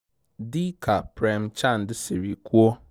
Dị ka Prem Chand siri kwuo: